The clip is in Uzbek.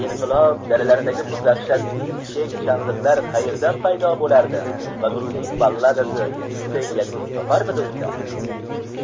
inqilob dalalaridagi bu dahshatli chek chandiqlar qaerdan paydo bo'lardi va gruzin balladasi shunday yakun toparmidi unda